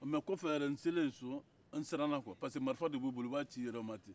mɛ kɔfɛ n selen so n siran kuwa pareseeke marifa de b'u bolo u b'a ci u yɛrɛma ten